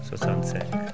65